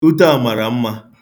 Ute a mara mma.